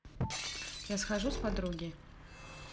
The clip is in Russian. я схожу с подруги